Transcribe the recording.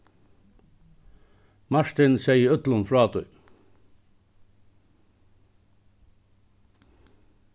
martin segði øllum frá tí